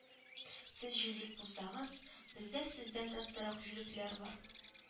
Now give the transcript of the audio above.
- сез җүлик булсагыз, бездә сездән дә остарак җүлеклар бар